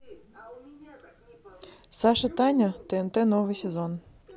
сашатаня тнт новый сезон